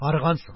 Аргансың,